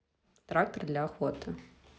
трактор для охоты